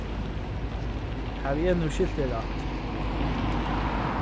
havi eg nú skilt teg rætt